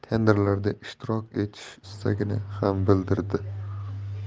bo'yicha tenderlarda ishtirok etish istagini ham bildirdi